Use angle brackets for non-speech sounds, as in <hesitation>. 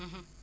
<hesitation> <hesitation>